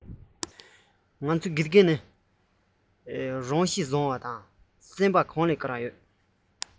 བཤེས གཉེན ལགས ཐུགས གཤིས ནི བལ ལས འཇམ པ ཐུགས སེམས ནི གངས རི ལས དཀར བ